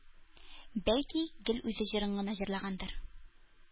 Бәлки, гел үз җырын гына җырлагандыр